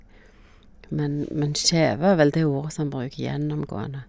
men Men skeva er vel det ordet som han bruker gjennomgående.